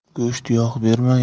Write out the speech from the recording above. go'sht yog' berma